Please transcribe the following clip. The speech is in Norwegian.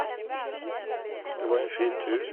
Det var en fin tur.